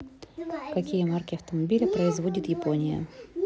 какие марки автомобиля производит япония